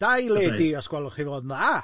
Dau lady, os gwelwch chi fod yn dda!